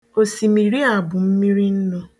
Osimiri a bụ mmirinnū